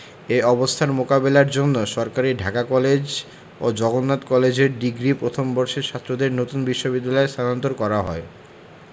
এ অবস্থার মোকাবেলার জন্য সরকারি ঢাকা কলেজ ও জগন্নাথ কলেজের ডিগ্রি প্রথম বর্ষের ছাত্রদের নতুন বিশ্ববিদ্যালয়ে স্থানান্তর করা হয়